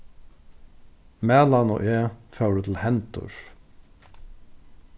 malan og eg fóru til hendurs